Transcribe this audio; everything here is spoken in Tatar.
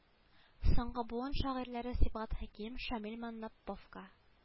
Соңгы буын шагыйрьләре сибгат хәким шамил маннаповка